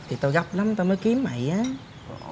thì tao gấp lắm tao mới kím mày á